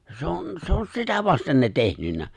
se on se on sitä vasten ne tehnyt